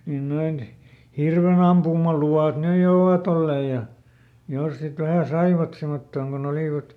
niin noin hirvenampumaluvat nyt jo ovat olleet ja jos sitten vähän saivat semmottoon kun olivat